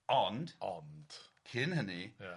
Ond ond. Cyn hynny. Ia.